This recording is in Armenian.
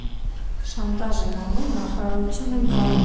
Շանտաժ են անում, նախարարություն են խառնում…